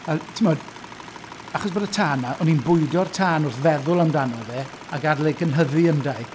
A, timod , achos bod y tân 'ma... o'n i'n bwydo'r tân wrth feddwl amdano fe, a gadael e i gynyddu ynda i.